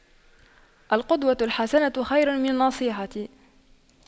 القدوة الحسنة خير من النصيحة